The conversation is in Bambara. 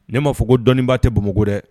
Ne maa fɔ ko dɔnniibaa tɛ bamakɔ dɛ